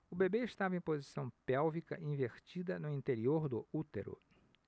o bebê estava em posição pélvica invertida no interior do útero